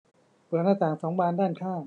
เปิดหน้าต่างสองบานด้านข้าง